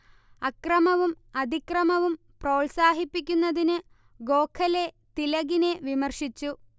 അക്രമവും അതിക്രമവും പ്രോത്സാഹിപ്പിക്കുന്നതിന് ഗോഖലെ തിലകിനെ വിമർശിച്ചു